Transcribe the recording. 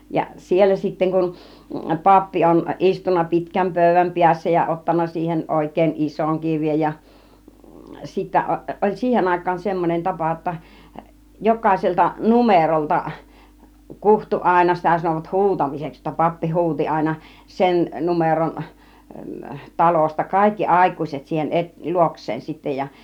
ja siellä sitten kun pappi on istunut pitkän pöydän päässä ja ottanut siihen oikein ison kirjan ja sitten - oli siihen aikaan semmonen tapa jotta jokaiselta numerolta kutsui aina sitä sanovat huutamiseksi jotta pappi huusi aina sen numeron talosta kaikki aikuiset siihen - luokseen sitten ja